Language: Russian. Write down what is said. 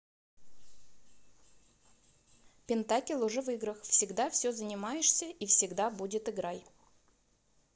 pentakill уже в играх всегда все занимаешься и всегда будет играй